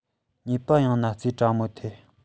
ཉོས པ ཡང ན རྩེ གྲ མོ ཐེ